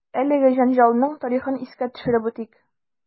Әлеге җәнҗалның тарихын искә төшереп үтик.